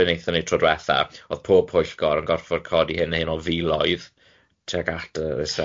be wnaethon ni tro dwetha, oedd pob Pwyllgor yn gorfod codi hyn neu hyn o filoedd tuag at yr Eisteddfod.